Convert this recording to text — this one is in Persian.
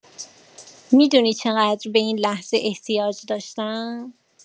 می‌دونی چقدر به این لحظه احتیاج داشتم؟